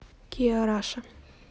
киа раша